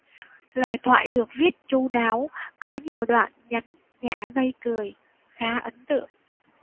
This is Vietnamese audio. lời thoại được viết chu đáo có nhiều đoạn nhấn nhả gây cười khá ấn tượng